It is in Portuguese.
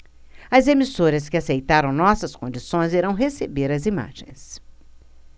as emissoras que aceitaram nossas condições irão receber as imagens